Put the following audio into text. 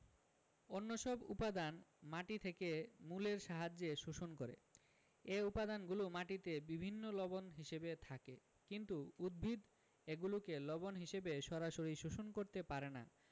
অন্যসব উপাদান মাটি থেকে মূলের সাহায্যে শোষণ করে এ উপাদানগুলো মাটিতে বিভিন্ন লবণ হিসেবে থাকে কিন্তু উদ্ভিদ এগুলোকে লবণ হিসেবে সরাসরি শোষণ করতে পারে না